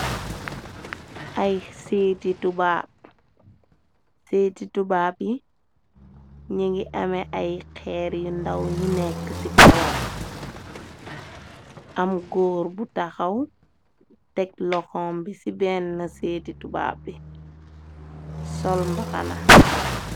Ay seeti tubaab yi ñi ngi amé ay xeer yu ndaw yu nekk ci kawam am góor bu taxaw teg loxon bi ci benn seeti tubaab bi sol mbaxana.